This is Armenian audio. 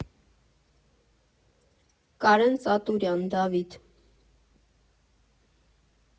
Կարեն Ծատուրյան՝ Դավիթ։